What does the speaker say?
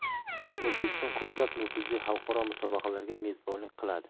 o'zbekiston ko'plab nufuzli xalqaro musobaqalarga mezbonlik qiladi